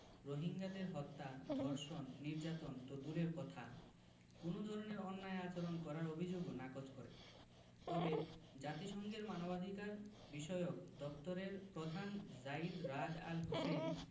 রোহিঙ্গাদের হত্যা ধর্ষণ নির্যাতন তো দূরের কথা কোনো ধরনের অন্যায় আচরণ করার অভিযোগও নাকচ করে তবে জাতিসংঘের মানবাধিকারবিষয়ক দপ্তরের প্রধান যায়িদ রাদ আল হোসেইন